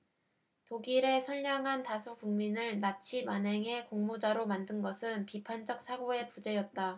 독일의 선량한 다수 국민을 나치 만행의 공모자로 만든 것은 비판적 사고의 부재였다